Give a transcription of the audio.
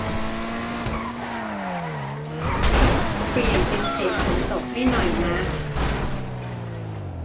เปลี่ยนเป็นเสียงฝนตกให้หน่อยนะ